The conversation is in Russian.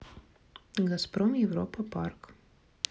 газпром европа парк